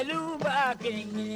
Jeli b'a kɛ